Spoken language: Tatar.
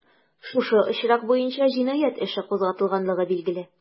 Шушы очрак буенча җинаять эше кузгатылганлыгы билгеле.